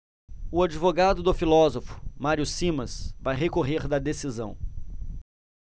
o advogado do filósofo mário simas vai recorrer da decisão